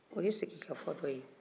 o ye sigikafɔ dɔ ye